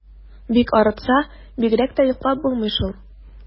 Бик арытса, бигрәк тә йоклап булмый шул.